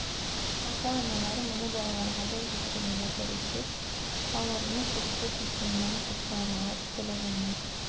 Ата-аналар, моны балаларга да җиткерергә тырышып, аларны курку хисеннән коткарырга теләгәннәр.